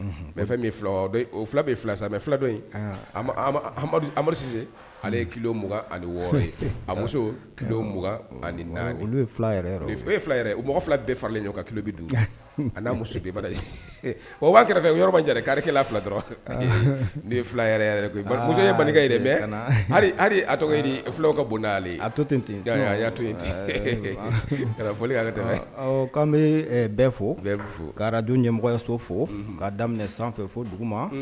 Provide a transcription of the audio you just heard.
Fila sa filadɔ amadusise ki ani wɔɔrɔ a muso ki ani o mɔgɔ fila faralen ka kilo bɛ n'a muso wa'a kɛrɛfɛ fɛ yɔrɔba kari fila dɔrɔn ye muso ye bangekɛ yɛrɛ mɛ tɔgɔ fulaw ka bonda ale a to ten a y'a to'an bɛ bɛɛ fɔ' dun ɲɛmɔgɔyaso fo ka daminɛ sanfɛ fo dugu ma